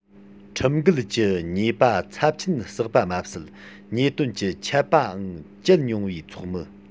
ཁྲིམས འགལ གྱི ཉེས པ ཚབས ཆེན བསགས པ མ ཟད ཉེས དོན གྱི ཆད པའང བཅད མྱོང བའི ཚོགས མི